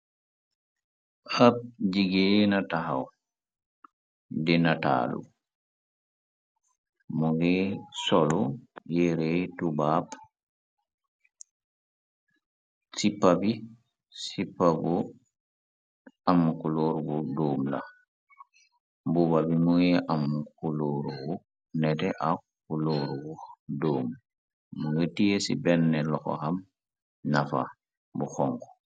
Ab jiggeen na ngi tahaw di nataalu mu ngi solu yeereey tubaab cipabi iab am ku lóor bu dóom la buuba bi muy am kuloor bu nete ak ku loor bu doom mu ngi tie ci benn loxo am nafa bu xonxo.